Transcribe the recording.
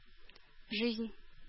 Жизнь